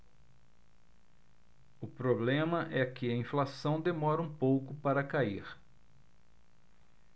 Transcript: o problema é que a inflação demora um pouco para cair